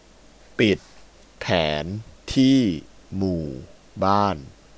ปิดแผนที่หมู่บ้าน